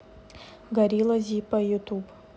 горилла зиппо ютуб